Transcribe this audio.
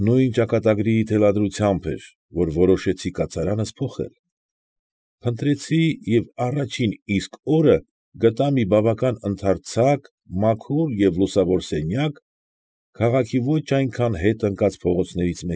Նույն ճակատագրի թելադրությամբ էր, որ որոշեցի կացարանս փոխել։ Փնտրեցի և առաջին իսկ օրը գտա մի բավական ընդարձակ, մաքուր և լուսավոր սենյակ, քաղաքի ոչ այնքան ետ ընկած փողոցներից։